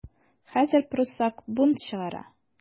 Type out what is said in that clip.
Хәзер пруссак бунт чыгара.